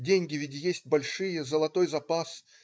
деньги ведь есть большие, золотой запас.